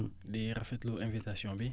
di rafetlu invitation bi